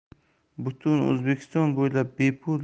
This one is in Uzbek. butun o'zbekiston bo'ylab bepul